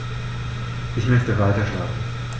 Ich möchte weiterschlafen.